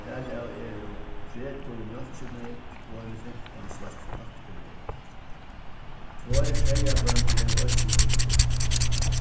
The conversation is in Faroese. harav eru tretivu mjólkineyt og eini fimtan slaktineyt tveir seyðabøndur eru eisini í bygdini